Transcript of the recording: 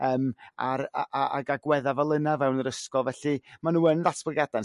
ym a'r a- a- ag agwedda' fel yna fewn yr ysgol felly maen nhw yn ddatblygada'